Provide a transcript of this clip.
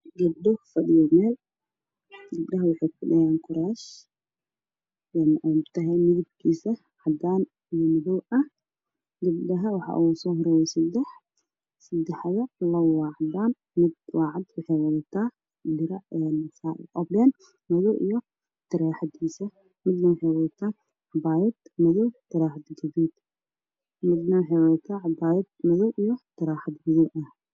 Gabdho fadhiyo meel gabdhaha waxey ku fadhiyaan kuraas gabdha waxa usoo qoreeso sedax